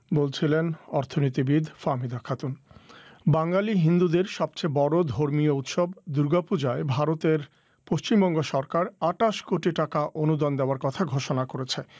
বলছিলেন অর্থনীতিবীদ ফাহমিদা খাতুন বাঙালি হিন্দুদের সবচেয়ে বড় ধর্মীয় উৎসব দুর্গাপূজায় ভারতের পশ্চিমবঙ্গ সরকার ২৮ কোটি টাকা অনুদান দেয়ার কথা ঘোষণা করেছে